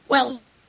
Wel...